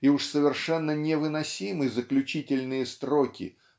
и уж совершенно невыносимы заключительные строки